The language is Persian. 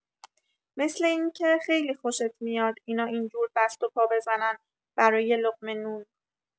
مثل اینکه خیلی خوشت میاد اینا اینجور دست و پا بزنن برا یه لقمه نون!